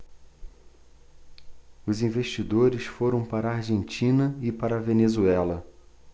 os investidores foram para a argentina e para a venezuela